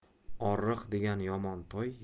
oriq degan yomon toy